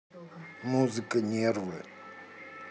музыка нервы